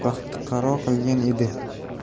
uni baxtiqaro qilgan edi